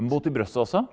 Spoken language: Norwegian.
Mot i brøstet også.